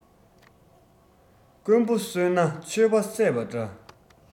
རྐུན པོ གསོས ན ཆོས པ བསད པ འདྲ